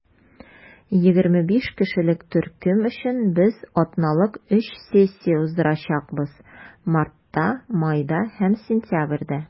25 кешелек төркем өчен без атналык өч сессия уздырачакбыз - мартта, майда һәм сентябрьдә.